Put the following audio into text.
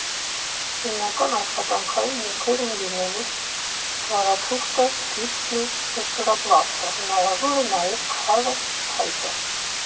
Հիմնական աշխատանքային նյութերն են լինելու ստվարաթուղթը, գիպսն ու փրփրապլաստը, հնարավոր է նաև քարը, փայտը։